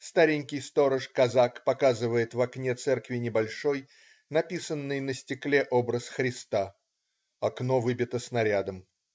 Старенький сторож-казак показывает в окне церкви небольшой, написанный на стекле, образ Христа. Окно выбито снарядом.